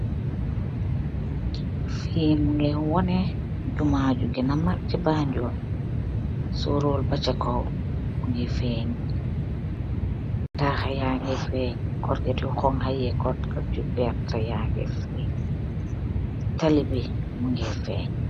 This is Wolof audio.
Fii minge wane juma jugana mak si Banjul sorol baca kaw minge faaj tax ya nge faaj korget yu xongxa yeg korget yu werta ya nge faaj talibi minge faaj